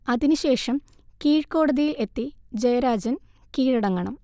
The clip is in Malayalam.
അതിന് ശേഷം കീഴ്കോടതിയിൽ എത്തി ജയരാജൻ കീഴടങ്ങണം